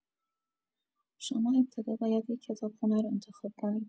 شما ابتدا باید یک کتابخونه رو انتخاب کنید!